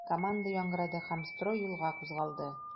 Команда яңгырады һәм строй юлга кузгалды.